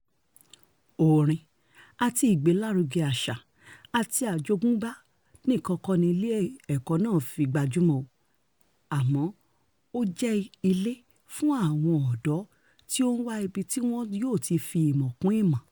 Orin àti ìgbélárugẹ àṣà àti àjogúnbá nìkan kọ́ ni ilé ẹ̀kọ́ náà fi gbajúmọ̀, àmọ́ ó jẹ́ ilé fún àwọn ọ̀dọ́ tí ó ń wà ibi tí wọn yóò ti fi ìmọ̀ kún ìmọ̀.